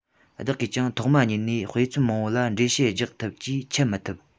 བདག གིས ཀྱང ཐོག མ ཉིད ནས དཔེ མཚོན མང པོ ལ འགྲེལ བཤད རྒྱག ཐུབ ཅེས འཆད མི ཐུབ